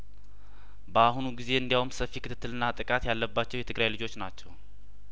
በአሁኑ ጊዜ እንዲያውም ሰፊ ክትትልና ጥቃት ያለባቸው የትግራይ ልጆች ናቸው